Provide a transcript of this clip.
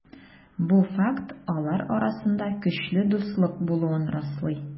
Бу факт алар арасында көчле дуслык булуын раслый.